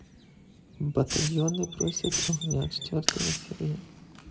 батальоны просят огня четвертая серия